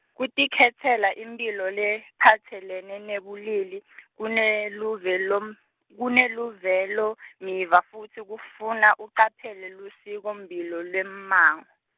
kutikhetsela imphilo lephatselene nebulili , kuneluvelom-, kuneluvelomiva futsi kufuna ucaphele lusikomphilo lwemmango.